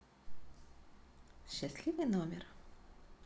счастливый номер